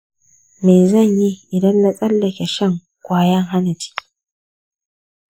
me zan yi idan na tsallake shan kwayar hana ciki?